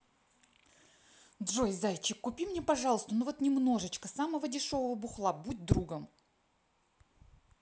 джой зайчик купи мне пожалуйста ну вот немножечко самого дешевого бухла будь другом